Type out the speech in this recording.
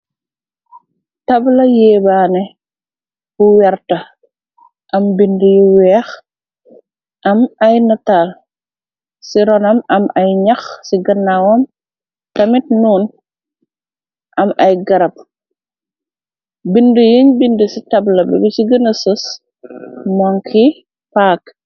Tabla yéebaane bu werta, am binde yu weex, am ay nataal, ci ronam am ay ñax, ci gannawam tamit noon, am ay garab, binde yeñ binde ci tabla bi, lu ci gëna fees monki paak.